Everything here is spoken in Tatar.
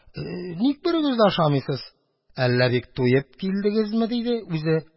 Ник берегез дә ашамыйсыз, әллә бик туеп килдегезме? – диде.